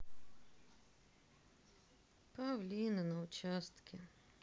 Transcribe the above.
павлины на участке